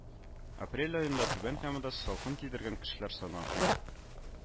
Апрель аенда Түбән Камада салкын тидергән кешеләр саны арткан